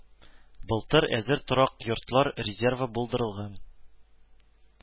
Былтыр әзер торак йортлар резервы булдырылган